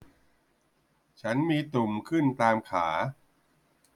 ฉันมีตุ่มขึ้นตามขา